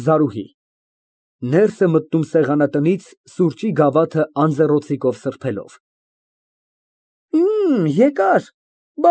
ԶԱՐՈՒՀԻ ֊ (Ներս է մտնում սեղանատնից, սուրճի գավաթն անձեռնոցիկով սրբելով) Հըմ, եկար։